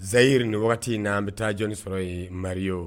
Zayiri waati wagati in na an bɛ taa jɔnni sɔrɔ yen mari ye